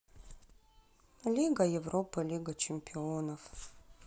лига европы лига чемпионов